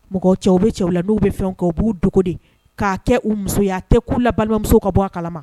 Mɔgɔ cɛw bɛ cɛw la n'u bɛ fɛn k u b'u dogo de k'a kɛ u musoya a tɛ ku la balimamuso ka bɔ a kalama